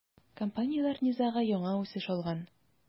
Компанияләр низагы яңа үсеш алган.